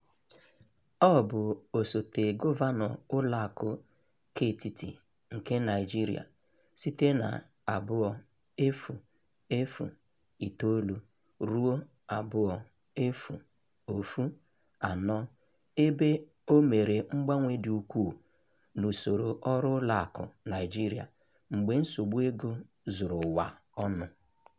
Ọ bụ osote gọvanọ Ụlọakụ Ketiti nke Naịjirịa site na 2009 ruo 2014, ebe "o mere mgbanwe dị ukwuu n'usoro ọrụ ụlọ akụ Naijiria mgbe nsogbu ego zuru ụwa ọnụ."